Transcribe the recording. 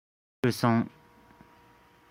མཆོད སོང